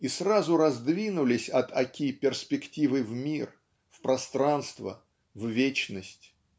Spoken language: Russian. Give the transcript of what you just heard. и сразу раздвинулись от Оки перспективы в мир в пространство в вечность.